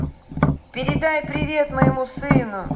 передай привет моему сыну